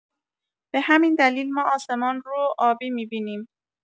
به همین دلیل ما آسمان رو آبی می‌بینیم.